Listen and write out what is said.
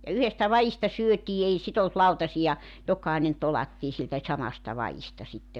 ja yhdestä vadista syötiin ei sitä ollut lautasia jokainen tolattiin siltä samasta vadista sitten